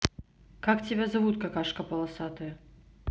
как тебя зовут какашка полосатая